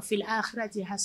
A aha hali